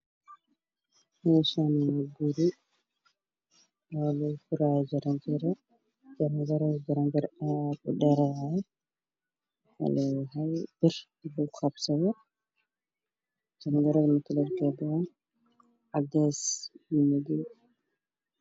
Meshaan waa guri waxataala jaraan jaro jaranjarada waa mid aad udheer jaran jarada midapkeedu wacdees iyo madow